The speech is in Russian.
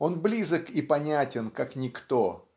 Он близок и понятен, как никто